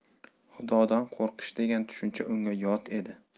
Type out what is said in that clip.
xudodan qo'rqish degan tushuncha unga yot edi